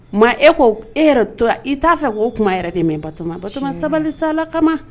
Mɛ e ko e yɛrɛ tɔ i t'a fɛ k o kuma yɛrɛ de mɛ bato bato sabali sala kama